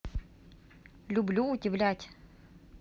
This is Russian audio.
люблю удивлять